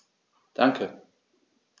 Danke.